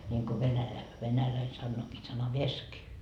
niin kuin - venäläinen sanookin sanavesk